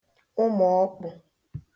ụmụ̀ọkpụ̄